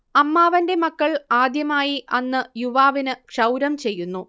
അമ്മാവന്റെ മക്കൾ ആദ്യമായി അന്ന് യുവാവിന് ക്ഷൗരം ചെയ്യുന്നു